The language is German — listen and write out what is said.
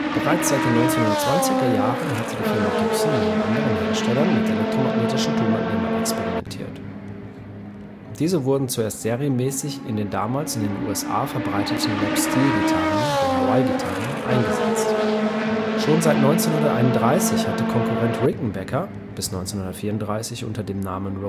Bereits seit den 1920er-Jahren hatte die Firma Gibson neben anderen Herstellern mit elektromagnetischen Tonabnehmern experimentiert. Diese wurden zuerst serienmäßig in den damals in den USA verbreiteten Lap Steel-Gitarren (Hawaii-Gitarre) eingesetzt. Schon seit 1931 hatte Konkurrent Rickenbacker, bis 1934 unter dem Namen